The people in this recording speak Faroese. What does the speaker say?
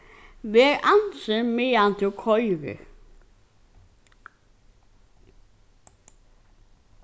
ver ansin meðan tú koyrir